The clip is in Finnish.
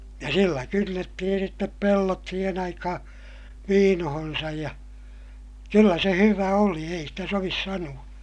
ja sillä kynnettiin sitten pellot siihen aikaan viinoonsa ja kyllä se hyvä oli ei sitä sovi sanoa